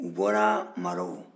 u bɔra marɔku